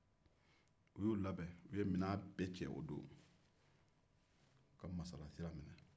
u y'u labɛn u ye minɛ bɛɛ cɛ o don ka masala sira minɛ